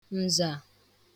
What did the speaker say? ǹzà